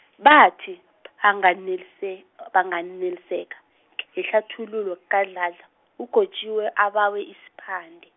bathi, banganelise-, banganeliseka, ngehlathululo kaDladla, uGotjiwe abawe isiphande.